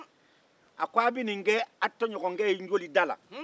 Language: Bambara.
a ko a bɛ nin ke a tɔɲɔgɔnkɛ ka joli da la